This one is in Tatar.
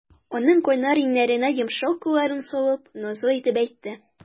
Аның кайнар иңнәренә йомшак кулларын салып, назлы итеп әйтте.